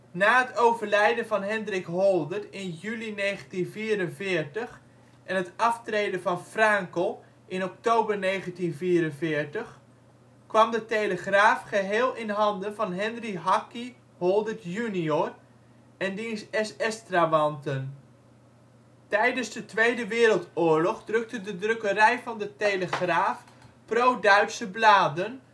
Na het overlijden van Hendrik Holdert in juli 1944 en het aftreden van Fraenkel in oktober 1944 kwam De Telegraaf geheel in handen van Henri ' Hakkie ' Holdert jr. en diens SS-trawanten. Tijdens de Tweede Wereldoorlog drukte de drukkerij van De Telegraaf pro-Duitse bladen